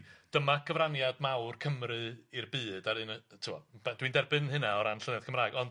dyma gyfraniad mawr Cymru i'r byd ar un y t'mo' be- dwi'n derbyn hynna o ran llenyddiaeth Cymraeg on'